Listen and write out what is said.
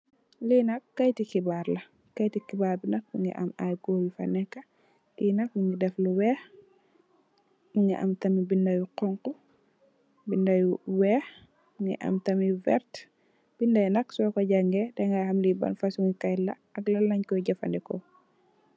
Lenak kaity hebarr la. Kaity hebarr yenak mugi am ai gorr yu fa neka. kenak mugi def lu weyh mugi am binda yu honhu, binda yu weyh am tamit yu verter. binda nak so ko jageh dega ham ban fason gi kait la ak lun koi doye.